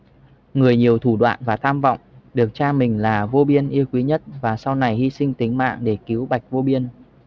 người nhiều thủ đoạn và tham vọng được cha mình là vô biên yêu quý nhất và sau này hi sinh tính mạng để cứu bạch vô biên